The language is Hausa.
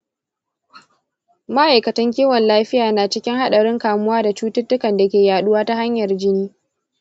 ma'aikatan kiwon lafiya na cikin haɗarin kamuwa da cututtukan da ke yaɗuwa ta hanyar jini.